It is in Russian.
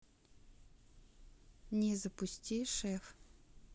не запусти шеф